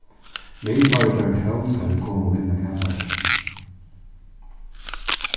minibarrin var tóm tá vit komu inn á kamarið